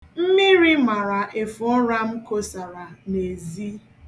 Mmiri mara efe ụra m kosara n'ezi.